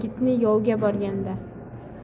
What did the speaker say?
sina yigitni yovga borganda